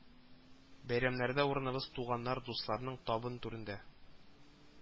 Бәйрәмнәрдә урыныбыз туганнар, дусларның табын түрендә